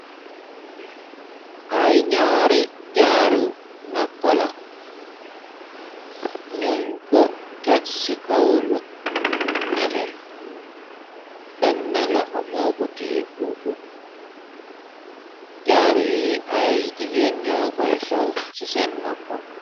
Ay ñaari jaaru noppa la, ñun ko teg ci kawlu nete, benn loxo moo ko tiye fuufu, jaaru yi ay jigéen ñoo koy sol ci seen noppa.